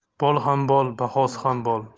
bol ham bol bahosi ham bol